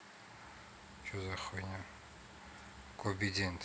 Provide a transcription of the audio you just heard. кобидент